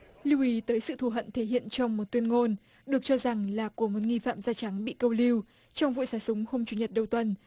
lưu ý tới sự thù hận thể hiện trong một tuyên ngôn được cho rằng là của một nghi phạm da trắng bị câu lưu trong vụ xả súng hôm chủ nhật đầu tuần